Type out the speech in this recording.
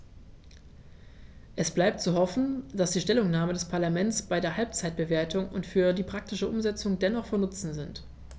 Es bleibt zu hoffen, dass die Stellungnahmen des Parlaments bei der Halbzeitbewertung und für die praktische Umsetzung dennoch von Nutzen sind.